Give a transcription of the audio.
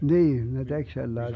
niin ne teki sellaisen